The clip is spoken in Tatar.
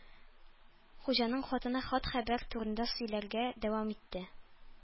Хуҗаның хатыны хат-хәбәр турында сөйләргә дәвам итте